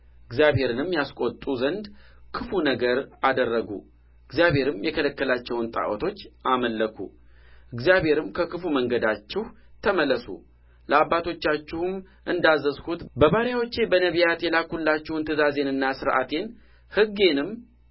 እግዚአብሔርንም ያስቈጡ ዘንድ ክፉ ነገር አደረጉ እግዚአብሔርም የከለከላቸውን ጣዖቶች አመለኩ እግዚአብሔርም ከክፉ መንገዳችሁ ተመለሱ ለአባቶቻችሁም እንዳዘዝሁት ባባሪያዎቼ በነቢያት የላክሁላችሁን ትእዛዜንና ሥርዓቴን ሕጌንም